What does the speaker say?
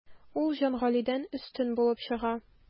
Ул Җангалидән өстен булып чыга.